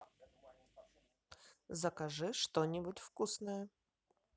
закажи что нибудь вкусное